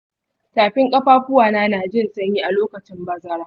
tafin ƙafafuwana najin sanyi a lokacin bazara.